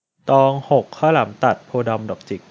ตองหกข้าวหลามตัดโพธิ์ดำดอกจิก